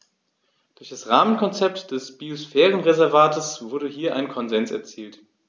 Durch das Rahmenkonzept des Biosphärenreservates wurde hier ein Konsens erzielt.